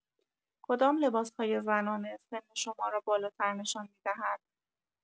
کدام لباس‌های زنانه سن شما را بالاتر نشان می‌دهد؟!